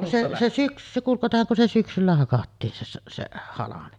se se - se kun katsohan kun se syksyllä hakattiin se se se halme